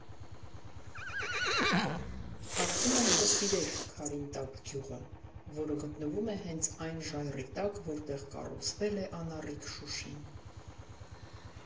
Կարծում եմ՝ կսիրեք Քարինտակ գյուղը, որը գտնվում է հենց այն ժայռի տակ, որտեղ կառուցվել է անառիկ Շուշին։